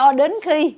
cho đến khi